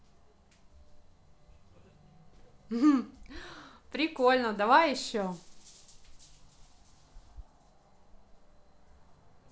прикольно давай еще